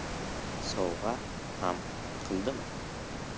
sovg'a ham qildimi